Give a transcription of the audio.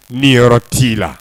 Niyɔrɔ t'i la